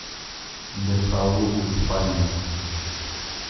бесалу испания